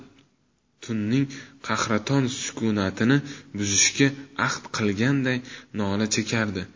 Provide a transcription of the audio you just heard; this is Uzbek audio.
tunning qahraton sukunatini buzishga ahd qilganday nola chekardi